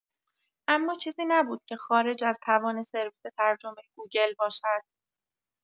اما چیزی نبود که خارج از توان سرویس ترجمه گوگل باشد.